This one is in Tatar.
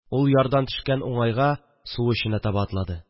Ул ярдан төшкән уңайга су эченә таба атлады